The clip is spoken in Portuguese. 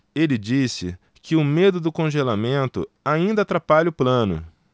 ele disse que o medo do congelamento ainda atrapalha o plano